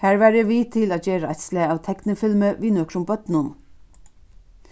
har var eg við til at gera eitt slag av teknifilmi við nøkrum børnum